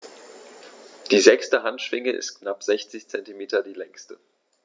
Die sechste Handschwinge ist mit knapp 60 cm die längste.